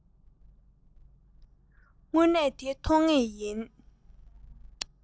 དངོས གནས དེ མཐོང ངེས ཡིན